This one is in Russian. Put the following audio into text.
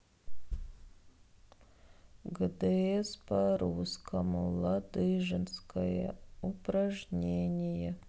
гдз по русскому ладыженская упражнение